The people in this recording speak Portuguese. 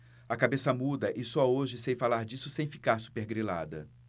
a cabeça muda e só hoje sei falar disso sem ficar supergrilada